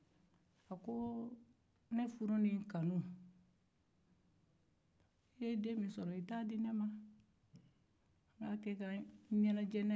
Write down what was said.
a ko ne furu ni n kanu i ye den min sɔrɔ i t'a di ne ma n ka ɲɛnajɛ n'a ye